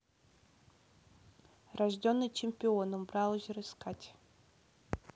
рожденный чемпионом браузер искать